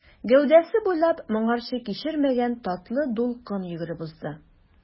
Гәүдәсе буйлап моңарчы кичермәгән татлы дулкын йөгереп узды.